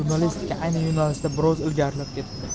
jurnalistika ayni yo'nalishda biroz ilgarilab ketdi